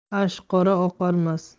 ash qora oqarmas